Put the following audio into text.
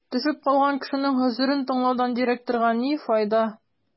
Төшеп калган кешенең гозерен тыңлаудан директорга ни файда?